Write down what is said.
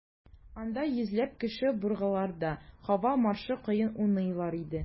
Анда йөзләп кеше быргыларда «Һава маршы» көен уйныйлар иде.